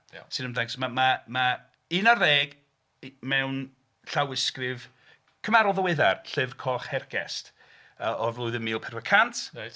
Iawn... Sy'n ymddangos, ma- ma- ma' un ar ddeg mewn llawysgrif cymharol ddiweddar, Llyfr Coch Hergest o'r flwyddyn mil pedwar cant... Reit.